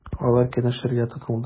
Алар киңәшергә тотындылар.